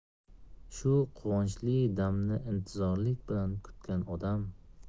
shu quvonchli damni intizorlik bilan kutgan odam